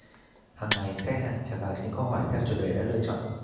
hàng ngày khách hàng trả lời những câu hỏi theo chủ đề đã lựa chọn